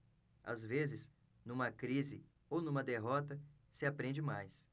às vezes numa crise ou numa derrota se aprende mais